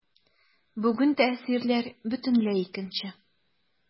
Бүген тәэсирләр бөтенләй икенче.